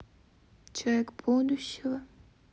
человек будущего